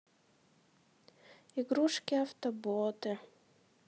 игрушки автоботы